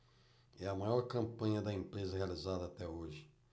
é a maior campanha da empresa realizada até hoje